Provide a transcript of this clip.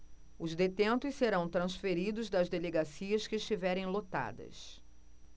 os detentos serão transferidos das delegacias que estiverem lotadas